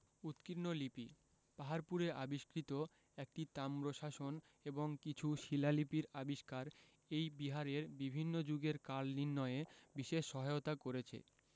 উৎকীর্ণ লিপিঃ পাহাড়পুরে আবিষ্কৃত একটি তাম্রশাসন এবং কিছু শিলালিপির আবিষ্কার এই বিহারের বিভিন্ন যুগের কাল নির্ণয়ে বিশেষ সহায়তা করেছে